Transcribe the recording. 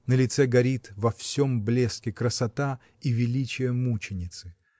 На лице горит во всем блеске красота и величие мученицы.